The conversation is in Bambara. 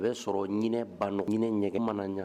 O bɛ'sɔrɔ ɲinɛ banɔ ɲinɛ ɲɛgɛn mana ɲa